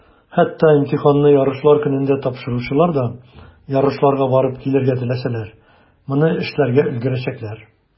Хәтта имтиханны ярышлар көнендә тапшыручылар да, ярышларга барып килергә теләсәләр, моны эшләргә өлгерәчәкләр.